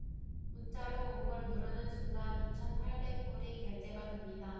문자로 온 걸 누르는 순간 이천 팔백 불이 결제가 됩니다